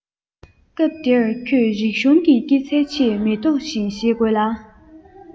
སྐབས དེར ཁྱོད རིག གཞུང གི སྐྱེད ཚལ ཆེད མེ ཏོག བཞིན བཞེད དགོས ལ